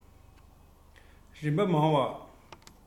རིམ པ མང བ